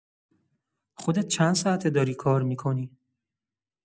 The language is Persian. خودت چند ساعته داری کار می‌کنی؟